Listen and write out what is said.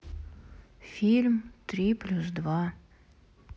фильм три плюс два